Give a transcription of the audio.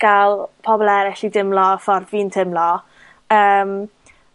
ga'l pobol eryll i dimlo y ffordd fi'n timlo, yym